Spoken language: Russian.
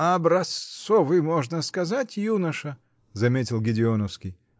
-- Образцовый, можно сказать, юноша, -- заметил Гедеоновский.